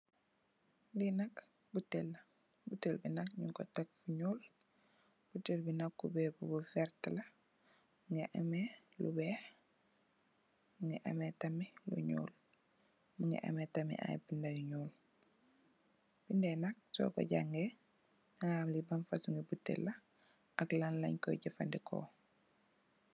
Li nak botale la botale bi nyun ko tek fu nuul botale nak cuberr bu vertax la mongi ame lu weex mongi ame tamit lu nuul mongi ame tamit ay binda yu nuul bindai nak soko jangeh daga xam li ban fosongi botale la ak lan len koi jefendeko.